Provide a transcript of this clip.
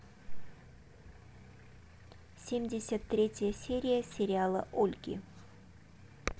семьдесят третья серия сериала ольги